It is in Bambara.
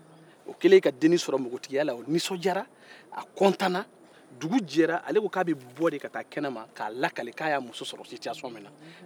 unhun o kɛlen ka dennin sɔrɔ npogotigiya la o nisɔndiya a kɔntana dugu jɛlen ale ko k'a bɛ bɔ ka taa fɔ kɛnɛ ma a y'a muso sɔrɔ cogoya min na